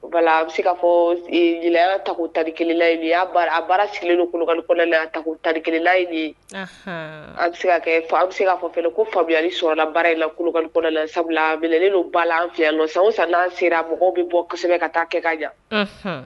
An bɛ se k'a fɔ jeliyaya taku tali kelenla baara sigilen ta tali kelenla an bɛ se ka an bɛ se k'a fɔ fɛ ko fabuyali sɔnna baara in la sabula ba fi yan san san' sera mɔgɔw bɛ bɔ kosɛbɛ ka taa kɛ ka jan